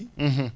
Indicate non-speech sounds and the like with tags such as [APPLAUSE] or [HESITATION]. [HESITATION] [HESITATION]